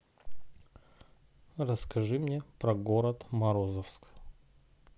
расскажи мне про город морозовск